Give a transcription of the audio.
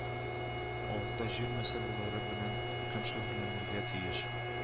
Авылда җир мәсьәләләре белән кем шөгырьләндерергә тиеш